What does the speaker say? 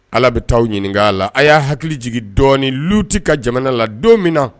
Ala bɛ taaaw ɲininka a la a y'a hakili jigi dɔɔnin lu tɛ ka jamana la don min na